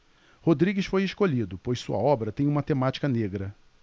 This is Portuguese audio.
rodrigues foi escolhido pois sua obra tem uma temática negra